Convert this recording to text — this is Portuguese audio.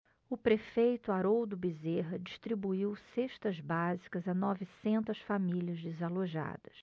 o prefeito haroldo bezerra distribuiu cestas básicas a novecentas famílias desalojadas